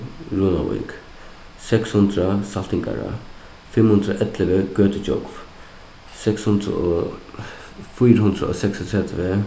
runavík seks hundrað saltangará fimm hundrað og ellivu gøtugjógv seks hundrað og fýra hundrað og seksogtretivu